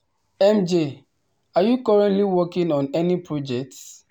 MJ: Are you currently working on any projects?